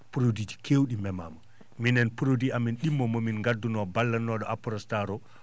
produit keew?i memaama minen produit amen ?immo momin gadduno ballatnoo?o (apronstar ) o